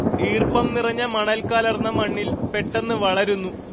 ഈർപ്പം നിറഞ്ഞ മണൽ കലർന്ന മണ്ണിൽ പെട്ടെന്ന് വളരുന്നു